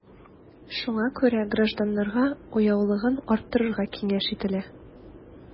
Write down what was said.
Шуңа күрә гражданнарга уяулыгын арттырыга киңәш ителә.